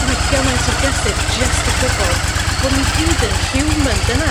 ma' 'na gymaint o gysur jyst y gwybod bo' ni i gyd yn human dyna